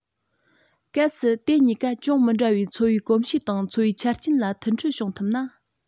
གལ སྲིད དེ གཉིས ཀ ཅུང མི འདྲ བའི འཚོ བའི གོམས གཤིས དང འཚོ བའི ཆ རྐྱེན ལ མཐུན འཕྲོད བྱུང ཐུབ ན